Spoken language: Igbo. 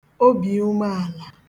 umeàlà